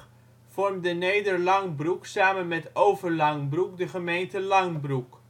vormde Nederlangbroek samen met Overlangbroek de gemeente Langbroek